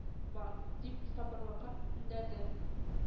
Бар, дип, сабырлыкка өндәде